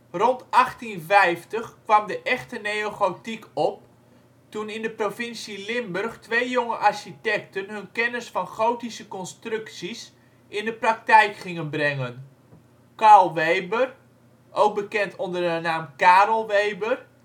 Rond 1850 kwam de echte neogotiek op, toen in de provincie Limburg twee jonge architecten hun kennis van gotische constructies in de praktijk gingen brengen: Carl Weber (ook bekend onder de naam Karel Weber